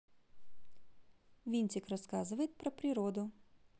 винтик рассказывает про природу